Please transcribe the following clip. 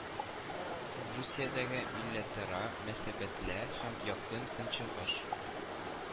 Русиядәге милләтара мөнәсәбәтләр һәм Якын Көнчыгыш